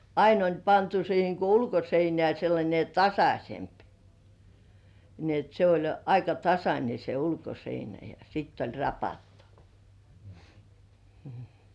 aina oli pantu siihen kun ulkoseinään sellainen tasaisempi niin että se oli aika tasainen se ulkoseinä ja sitä oli rapattu mm